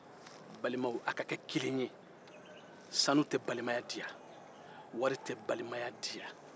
balimaw aw ka kelen ye sanu tɛ balimaya cɛn wari tɛ balimaya cɛn